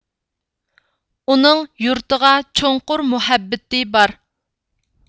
ئۇنىڭ يۇرتىغا چوڭقۇر مۇھەببىتى بار